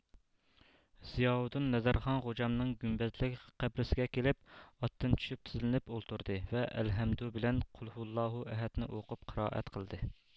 زىياۋۇدۇن نەزەرخان غوجامنىڭ گۈمبەزلىك قەبرىسىگە كېلىپ ئاتتىن چۈشۈپ تىزلىنىپ ئولتۇردى ۋە ئەلھەمدۇ بىلەن قۇلھۇۋەللاھۇ ئەھەد نى ئوقۇپ قىرائەت قىلدى